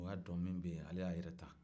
o y'a dɔn min bɛ yen ale y'a yɛrɛ